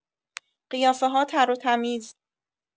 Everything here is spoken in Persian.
قیافه‌ها تر و تمیز